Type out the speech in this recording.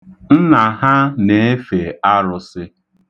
Nna ha na-efe arụsị.